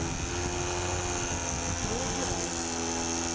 ну убирай